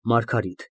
ՄԱՐԳԱՐԻՏ ֊